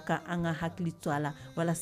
Kaan ka hakili to a la